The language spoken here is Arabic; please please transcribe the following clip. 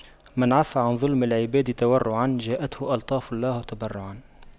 من عَفَّ عن ظلم العباد تورعا جاءته ألطاف الإله تبرعا